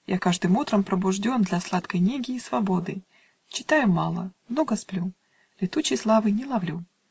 Я каждым утром пробужден Для сладкой неги и свободы: Читаю мало, долго сплю, Летучей славы не ловлю.